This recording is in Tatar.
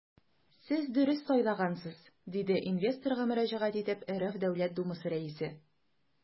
Сез дөрес сайлагансыз, - диде инвесторга мөрәҗәгать итеп РФ Дәүләт Думасы Рәисе.